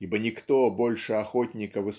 ибо никто больше охотника